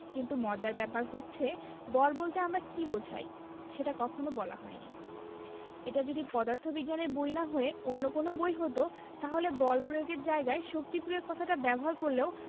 কিন্তু মজার ব্যাপার হচ্ছে বল বলতে আমরা কী বোঝাই সেটা কখনো বলা হয়নি এটা যদি পদার্থবিজ্ঞানের বই না হয়ে অন্য কোনো বই হতো তাহলে বল প্রয়োগ এর জায়গায় শক্তি প্রয়োগ কথাটা ব্যবহার করলেও